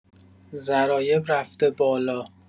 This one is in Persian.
ضرایب رفته بالا